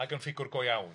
Ag yn ffigwr go iawn,